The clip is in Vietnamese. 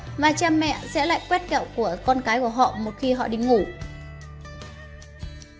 và cha mẹ sẽ lại quét kẹo từ con cái của họ một khi họ đi ngủ